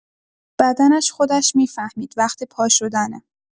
بدنش خودش می‌فهمید وقت پاشدنه.